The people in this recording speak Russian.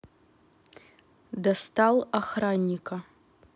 достал охранника